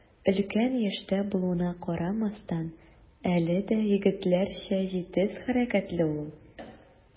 Өлкән яшьтә булуына карамастан, әле дә егетләрчә җитез хәрәкәтле ул.